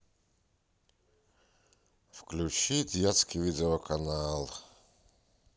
включи детский видеоканал